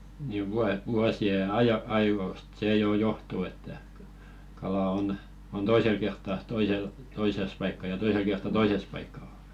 niin - vuosien - ajoista se jo johtuu että kala on on toisella kertaa toisella toisessa paikkaa ja toisella kertaa toisessa paikkaa